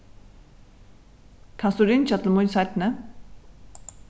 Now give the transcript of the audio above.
kanst tú ringja til mín seinni